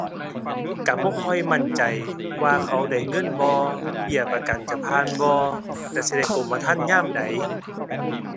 ก็บ่ค่อยมั่นใจว่าเขาได้เงินบ่ เบี้ยประกันจะผ่านบ่ แล้วสิได้กรมธรรม์ยามใด